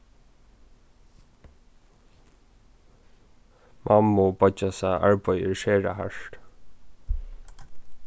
mammubeiggjasa arbeiði er sera hart